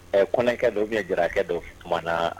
Ɛ kɔnkɛ dɔw bɛ jara don tuma na